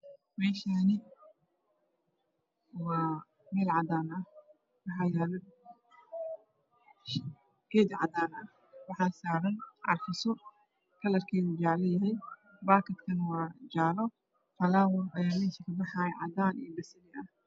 Meeshaan waa meel cadaan ah waxaa yaalo geed cadaan ah waxaa saaran carfiso kalarkeedu jaalo yahay baakad ka waa jaalo falaawar ayaa meesha kabaxaayo cadaan iyo basali ah.